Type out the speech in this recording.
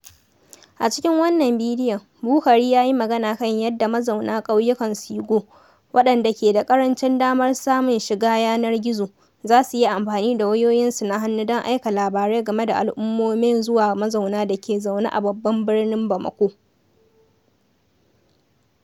A cikin wannan bidiyon, Boukary ya yi magana kan yadda mazauna ƙauyukan Ségou, waɗanda ke da ƙarancin damar samun shiga yanar gizo, za su iya amfani da wayoyin su na hannu don aika labarai game da al’ummomin zuwa mazauna da ke zaune a babban birnin Bamako.